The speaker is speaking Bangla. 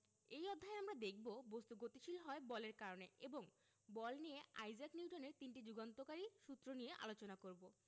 এই অধ্যায়ে আমরা দেখব বস্তু গতিশীল হয় বলের কারণে এবং বল নিয়ে আইজাক নিউটনের তিনটি যুগান্তকারী সূত্র নিয়ে আলোচনা করব